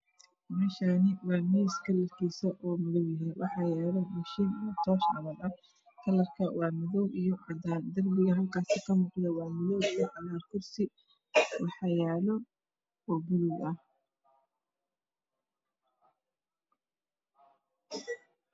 Meeshaan waa miis kalarkiisu waa madow waxaa yaalo mishiin toosh camal ah kalarkiisu waa madow iyo cadaan. Darbiga halkaas kamuuqdo waa madow iyo cagaar. Kursiga waa buluug.